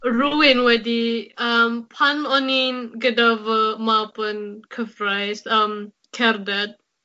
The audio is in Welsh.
Rywun wedi yym, pan o'n i'n gyda fy mab yn cyfraith yym cerdded